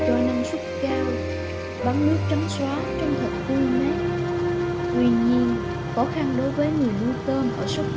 và cho năng suất cao bắn nước trắng xóa trông thật tươi mát tuy nhiên khó khăn đối với người nuôi tôm ở sóc trăng